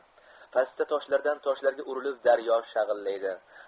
pastda toshlardan toshlarga urilib daryo shag'illaydi